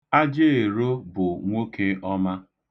Ajaero bụ nwoke ọma.